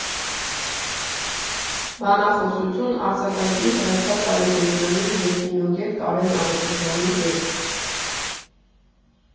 Բանախոսություն արձակագիր Հրաչյա Սարիբեկյանի և կինոգետ Կարեն Ավետիսյանի հետ։